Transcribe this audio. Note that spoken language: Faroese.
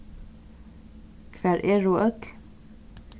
hvar eru øll